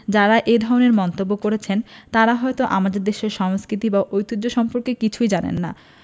যাঁরা এ ধরনের মন্তব্য করছেন তাঁরা হয়তো আমাদের দেশের সংস্কৃতি এবং ঐতিহ্য সম্পর্কে কিছুই জানেন না